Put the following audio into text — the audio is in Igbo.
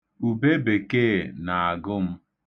Ubebekee na-agụ m.